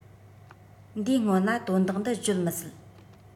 འདིའི སྔོན ལ དོན དག འདི བརྗོད མི སྲིད